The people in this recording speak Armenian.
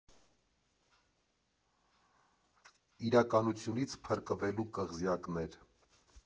ԻՐԱԿԱՆՈՒԹՅՈՒՆԻՑ ՓՐԿՎԵԼՈՒ ԿՂԶՅԱԿՆԵՐ։